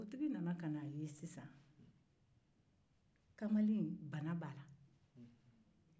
npogotigi nana a ye ko bana be kamalen na